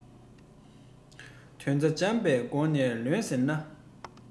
དོན རྩ འཇམ པོའི སྒོ ནས ལོན ཟེར ན